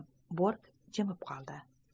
bork jim bo'lib qoldi